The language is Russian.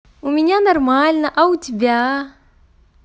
у меня нормально а у тебя